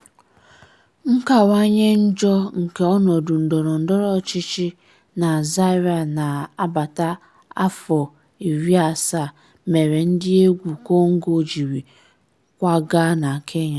Nkawanye njọ nke ọnọdụ ndọrọ ndọrọ ọchịchị na Zaire n'agbata afọ 70 mere ndị egwu Congo jiri kwagaa na Kenya.